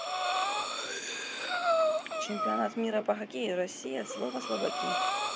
чемпионат мира по хоккею россия слово слабаки